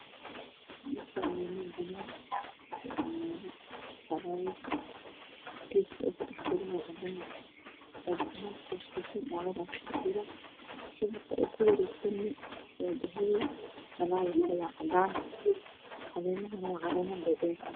Meshaan waa meel bana waxaa yaka falaawar geedka uu ku dhaxjirana wa cadaan dhagaxaan oo kuskuusan ayaa ku jiro shabaqa oo ku wareegsana waa dahapi falaawarku waa cadan cleemahana waa caleemo dhaadher ah